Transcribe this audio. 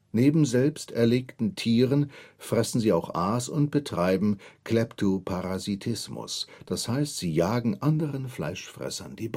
Neben selbst erlegten Tieren fressen sie auch Aas und betreiben Kleptoparasitismus, das heißt, sie jagen anderen Fleischfressern die